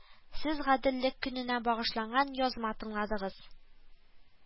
Сез Гаделллек көненә багышланган язма тыңладыгыз